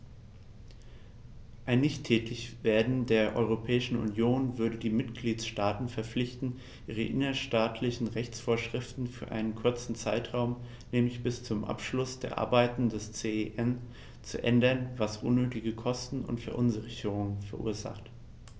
Ein Nichttätigwerden der Europäischen Union würde die Mitgliedstaten verpflichten, ihre innerstaatlichen Rechtsvorschriften für einen kurzen Zeitraum, nämlich bis zum Abschluss der Arbeiten des CEN, zu ändern, was unnötige Kosten und Verunsicherungen verursacht.